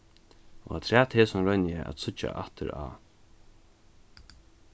og afturat hesum royni eg at síggja aftur á